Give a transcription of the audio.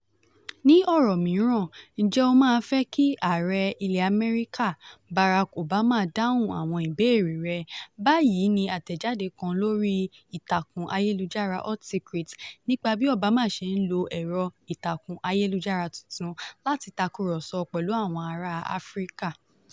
Ní ọ̀rọ̀ mìíràn, ǹjẹ́ o máa fẹ́ kí ààrẹ ilẹ̀ Amẹ́ríkà, Barack Obama dáhùn àwọn ìbéèrè rẹ?, "báyìí ní àtẹ̀jáde kan lórí ìtàkùn ayélujára Hot secrets nípa bí Obama ṣe ń lo ẹ̀rọ ìtàkùn ayélujára tuntun láti takùrọsọ pẹ̀lú àwọn ará Áfríkà.